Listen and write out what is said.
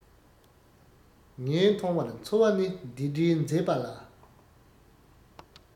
ངས མཐོང བར འཚོ བ ནི འདི འདྲའི འཛེས པ ལ